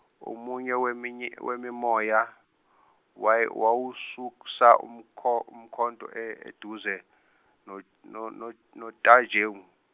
omunye weminy- wemimoya, waye- wawusuksa umkho- umkhonto e- eduze no- no- no- Tajewu.